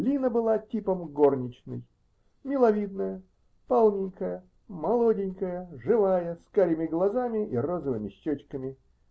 Лина была типом горничной, миловидная, полненькая, молоденькая, живая, с карими глазами и розовыми щечками.